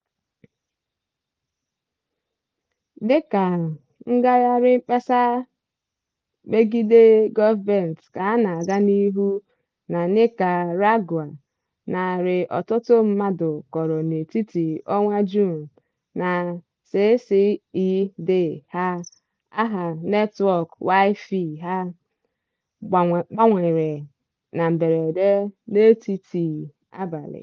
Dịka ngagharị mkpesa megide gọọmentị ka na-aga n'ihu na Nicaragua, narị ọtụtụ mmadụ kọrọ n'etiti ọnwa Juun na SSID ha (aha netwọk Wi-Fi ha) gbanwere na mberede n'etiti abalị.